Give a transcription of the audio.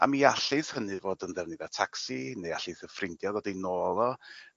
A mi allith hynny fod yn ddefnydd o tacsi neu allith y ffrindia ddod i nôl o.